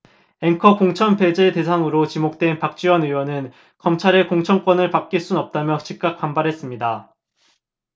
앵커 공천 배제 대상으로 지목된 박지원 의원은 검찰에 공천권을 맡길 순 없다며 즉각 반발했습니다